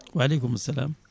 wa aleykumu salam